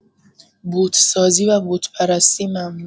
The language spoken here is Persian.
بت سازی و بت‌پرستی ممنوع